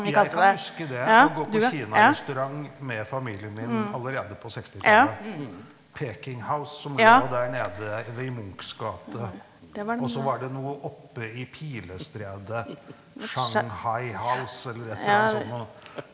jeg kan huske det, å gå på kinarestaurant med familien min allerede på sekstitallet, Peking House som lå der nede i Munchs gate, og så var det noe oppe i Pilestredet Shanghai House, eller et eller annet sånn noe.